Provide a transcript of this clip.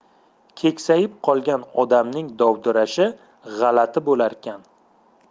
keksayib qolgan odamning dovdirashi g'alati bo'larkan